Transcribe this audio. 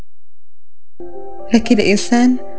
لكل انسان